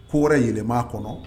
Ko wɛrɛ ye yɛlɛmama kɔnɔ